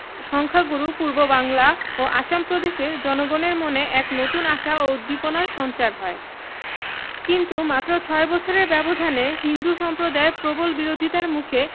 সংখ্যাগুরু পূর্ববাংলা ও আসাম প্রদেশের জনগণের মনে এক নতুন আশা ও উদ্দীপনার সঞ্চার হয় কিন্তু মাত্র ছয় বছরের ব্যবধানে হিন্দু সম্প্রদায়ের প্রবল বিরোধিতার মুখে